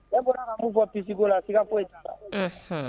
Bɛɛ bɔra ka min fɔ puce ko la, siga foyi t'a la. unhun